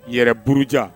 Yɛrɛ buruja